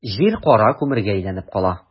Җир кара күмергә әйләнеп кала.